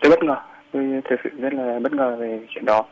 tôi bất ngờ tôi thực sự rất là bất ngờ về chuyện đó